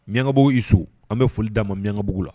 Miyankabugu i so an bɛ foli d'a ma ɲyankabugu la